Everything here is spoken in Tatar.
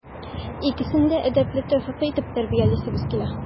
Икесен дә әдәпле, тәүфыйклы итеп тәрбиялисебез килә.